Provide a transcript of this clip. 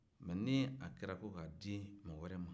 mɛ ni a kɛra ko k'a di mɔgɔ wɛrɛ ma